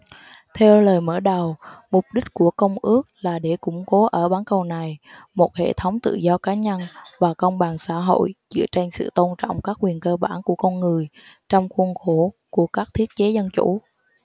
theo lời mở đầu mục đích của công ước là để củng cố ở bán cầu này một hệ thống tự do cá nhân và công bằng xã hội dựa trên sự tôn trọng các quyền cơ bản của con người trong khuôn khổ của các thiết chế dân chủ